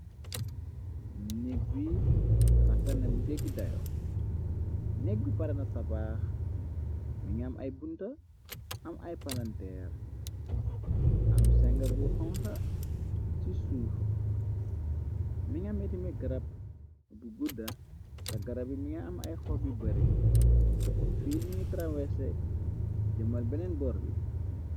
Neeg bi rafana bu jeggi dayo, neek bi parana tabaax, mi nga am ay bunta am ay palanteer, am senga bu xonxa ci suufa mi nga metime garab bu gudda, te garab bi mi nga am ay xob yu bare, fiil mi ngi trawerse jëmal beneen bor bi.